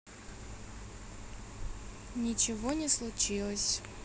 ничего не случилось